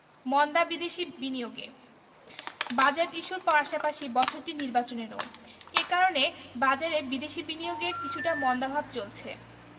মন্দা বিদেশি বিনিয়োগে বাজেট ইস্যুর পাশাপাশি বছরটি নির্বাচনেরও এ কারণে বাজারে বিদেশি বিনিয়োগেও কিছুটা মন্দাভাব চলছে